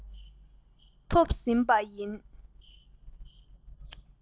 ཐོབ ཟིན པ ཡིན